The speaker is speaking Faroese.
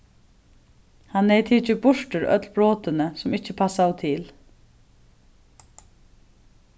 hann hevði tikið burtur øll brotini sum ikki passaðu til